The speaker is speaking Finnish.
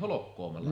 holkkaamalla